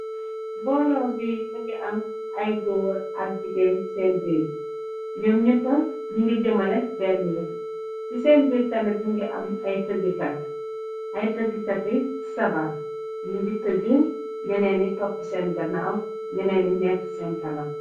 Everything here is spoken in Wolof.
mboolo bi mungi am ay góor ak jigéen seen biir ñoom ñëppa ñi ngi jëmale benn ween ci seen biir tamit mi ngi am ay tëggkati sabar ñi ngi tëgg ñeneeni topp seen gannaaw ñeneeni nekk seen kanam